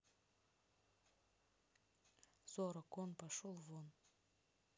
сорок он пошел вон